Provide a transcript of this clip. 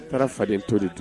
Taara faden to de dun